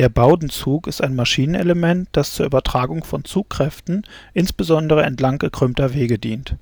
Bowdenzug ist ein Maschinenelement, das zur Übertragung von Zugkräften, insbesondere entlang gekrümmter Wege, dient